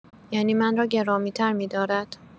یعنی من را گرامی‌تر می‌دارد.